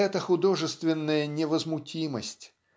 Эта художественная невозмутимость